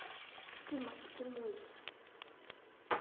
дима иди мойся